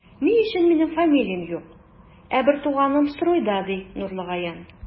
Ни өчен минем фамилиям юк, ә бертуганым стройда, ди Нурлыгаян.